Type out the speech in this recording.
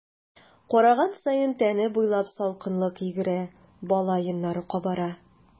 Караган саен тәне буйлап салкынлык йөгерә, бала йоннары кабара.